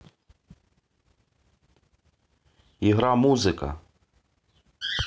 игра музыка